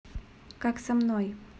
как со мной